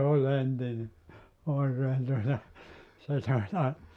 se oli entinen oikein tuota sitä sitä